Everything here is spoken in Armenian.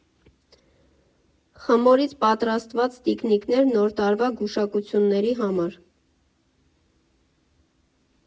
Խմորից պատրաստված տիկնիկներ՝ Նոր տարվա գուշակությունների համար։